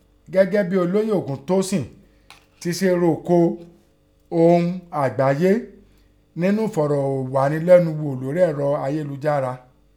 Gẹ́gẹ́ bí Olóyè Ògúntósìn ti se rò ún Ohùn Àgbáyé nẹ́nú ẹ̀fọ̀rọ̀ghánilẹ́nughò lórí ẹ̀rọ ayélujára